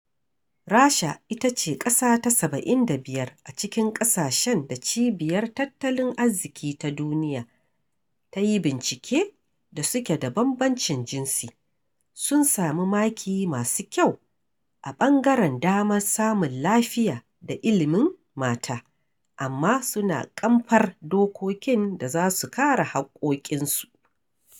Rasha ita ce ƙasa ta 75 a cikin ƙasashen da Cibiyar Tattalin Arziƙi ta Duniya ta yi bincike da suke da bambancin jinsi, sun samu maki masu kyau a ɓangaren damar samun lafiya da ilimin mata, amma suna ƙamfar dokokin da za su kare haƙƙoƙinsu.